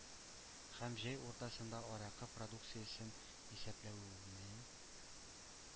Һәм җәй уртасында аракы продукциясен исәпләүнең